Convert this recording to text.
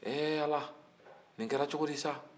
he ala nin kɛra cogo di sa